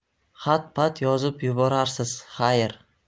xat pat yozib yuborarsiz xayr